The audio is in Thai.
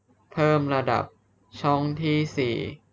เพิ่มระดับช่องที่สี